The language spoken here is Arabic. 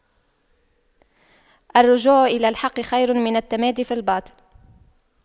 الرجوع إلى الحق خير من التمادي في الباطل